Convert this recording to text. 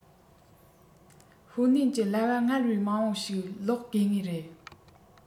ཧུའུ ནན གྱི གླ པ སྔར བས མང པ ཞིག ལོག དགོས ངེས རེད